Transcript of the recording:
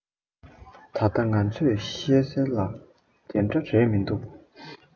ད ལྟ ང ཚོས ཤེས གསལ ལ འདི འདྲ རེད མི འདུག